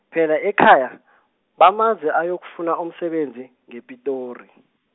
phela ekhaya , bamazi ayokufuna umsebenzi, ngePitori.